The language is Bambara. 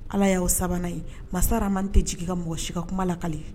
Ala y'aw sabanan ye masara man tɛ jigin ka mɔgɔ si ka kuma lakale